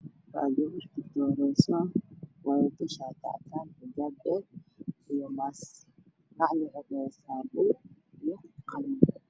Waa gabar la dhisay meel shaati cadaan wadato qalin wax ku qorayso